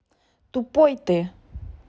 тупой ты